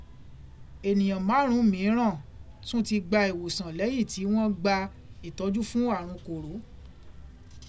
Ènìyàn márùn ún mìíràn tún ti gba ìwòsàn lẹ́yìn tí wọ́n gba ìtọ́ju fún àrùn kòró.